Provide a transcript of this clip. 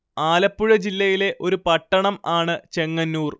ആലപ്പുഴ ജില്ലയിലെ ഒരു പട്ടണം ആണ് ചെങ്ങന്നൂർ